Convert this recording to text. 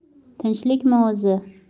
tinchlikmi o'zi